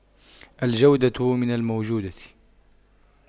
الجودة من الموجودة